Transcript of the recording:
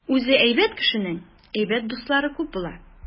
Үзе әйбәт кешенең әйбәт дуслары күп була.